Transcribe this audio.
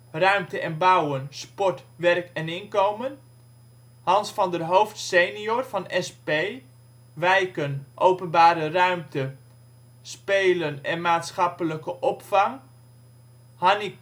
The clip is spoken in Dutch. ruimte en bouwen, sport, werk en inkomen Hans van Hooft sr. (SP), wijken, openbare ruimte, spelen en maatschappelijke opvang Hannie Kunst